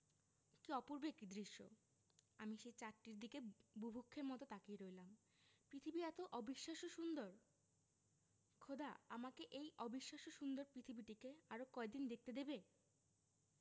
কী অপূর্ব একটি দৃশ্য আমি সেই চাঁদটির দিকে বুভুক্ষের মতো তাকিয়ে রইলাম পৃথিবী এতো অবিশ্বাস্য সুন্দর খোদা আমাকে এই অবিশ্বাস্য সুন্দর পৃথিবীটিকে আরো কয়দিন দেখতে দেবে